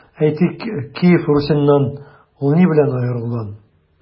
Әйтик, Киев Русеннан ул ни белән аерылган?